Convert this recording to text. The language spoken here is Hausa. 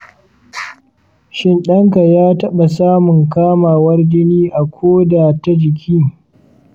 shin ɗanka ya taɓa samun kamawar jini a ƙoda ta jiki?